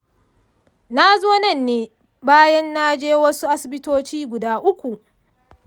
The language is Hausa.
nazo nan ne bayan naje wasu asibitoci guda uku.